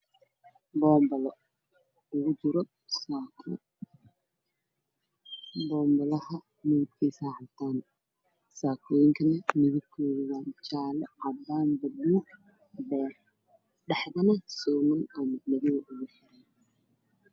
Boombalo ugu jiro saago boombalaha midabkiisu waa cadaan saagooyinka midabkoodu waa cadaan, jaale, baluug, beer dhaxdana suuman ugu xiran